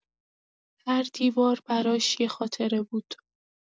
هر دیوار براش یه خاطره بود.